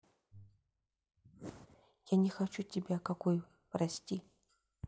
я не хочу тебя какой прости